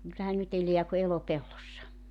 kyllähän nyt elää kuin elopellossa